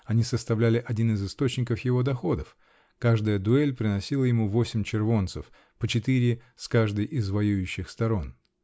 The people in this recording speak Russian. они составляли один из источников его доходов: каждая дуэль приносила ему восемь червонцев -- по четыре с каждой из воюющих сторон.